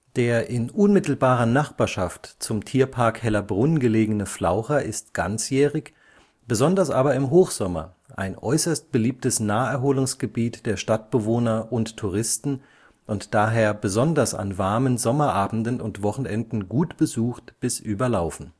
Der in unmittelbarer Nachbarschaft zum Tierpark Hellabrunn gelegene Flaucher ist ganzjährig, besonders aber im Hochsommer, ein äußerst beliebtes Naherholungsgebiet der Stadtbewohner und Touristen und daher besonders an warmen Sommerabenden und Wochenenden gut besucht bis überlaufen